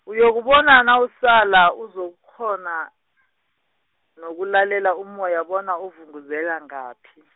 uyokubona nawusala, uzokukghona, nokulalela umoya bona uvunguzela, ngaphi.